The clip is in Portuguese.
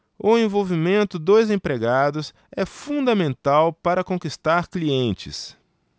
o envolvimento dos empregados é fundamental para conquistar clientes